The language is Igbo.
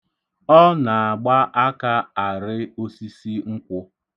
Ọ na-agba aka arị osisi nkwụ.